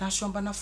Ka sɔn banna